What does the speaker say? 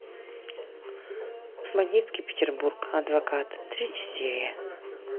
бандитский петербург адвокат третья серия